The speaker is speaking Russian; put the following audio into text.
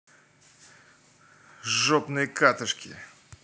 жопные катышки